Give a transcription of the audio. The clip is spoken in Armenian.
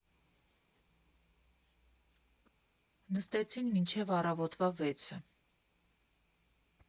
Նստեցին մինչև առավոտվա վեցը։